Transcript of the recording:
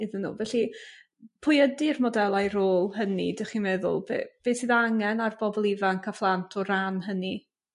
iddyn nhw felly pwy ydi'r modelau rôl hynny dych chi'n meddwl be' beth sydd angen ar bobol ifanc a phlant o ran hynny?